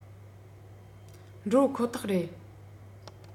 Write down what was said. འགྲོ ཁོ ཐག རེད